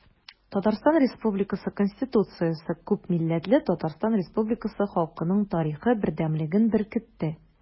Татарстан Республикасы Конституциясе күпмилләтле Татарстан Республикасы халкының тарихы бердәмлеген беркетте.